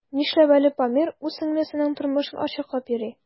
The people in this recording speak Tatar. Нишләп әле Памир үз сеңлесенең тормышын ачыклап йөри?